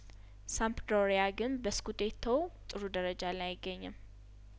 ሳምፕዶሪያ ግን በስኩዴቶው ጥሩ ደረጃ ላይ አይገኝም